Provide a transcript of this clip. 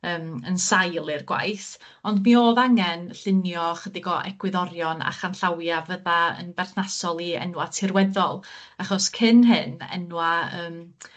yym yn sail i'r gwaith ond mi o'dd angen llunio ychydig o egwyddorion a chanllawia fydda yn berthnasol i enwa' tirweddol achos cyn hyn enwa' yym